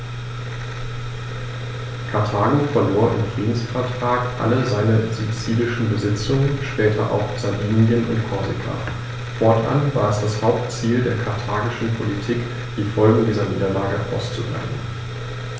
Karthago verlor im Friedensvertrag alle seine sizilischen Besitzungen (später auch Sardinien und Korsika); fortan war es das Hauptziel der karthagischen Politik, die Folgen dieser Niederlage auszugleichen.